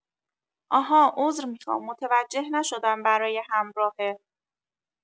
آها عذر میخوام متوجه نشدم برای همراهه